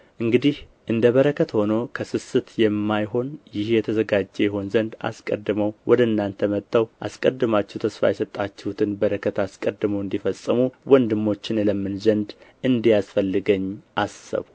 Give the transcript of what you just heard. እንግዲህ እንደ በረከት ሆኖ ከስስት የማይሆን ይህ የተዘጋጀ ይሆን ዘንድ አስቀድመው ወደ እናንተ መጥተው አስቀድማችሁ ተስፋ የሰጣችሁትን በረከት አስቀድመው እንዲፈጽሙ ወንድሞችን እለምን ዘንድ እንዲያስፈልገኝ አሰብሁ